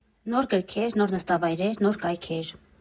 Նոր գրքեր, նոր նստավայրեր, նոր կայքեր։